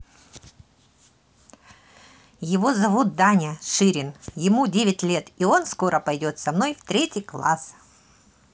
его зовут даня ширин ему девять лет и он скоро пойдет со мной в третий класс